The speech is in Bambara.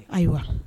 Ayiwa